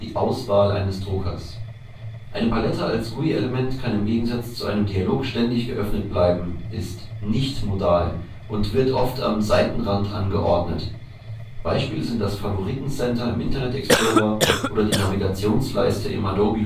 Auswahl eines Druckers. Eine Palette als GUI-Element kann im Gegensatz zu einem Dialog ständig geöffnet bleiben (ist „ nicht-modal “) und wird oft am Seitenrand angeordnet. Beispiele sind das Favoritencenter im Internet Explorer oder die Navigationsleiste im Adobe